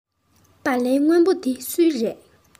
སྦ ལན སྔོན པོ འདི སུའི རེད